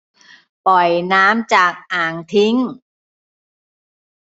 ปล่อยน้ำจากอ่างทิ้ง